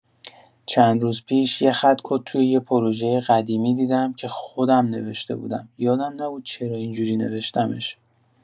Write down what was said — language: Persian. چند روز پیش یه خط کد توی یه پروژۀ قدیمی دیدم که خودم نوشته بودم، یادم نبود چرا اینجوری نوشتمش.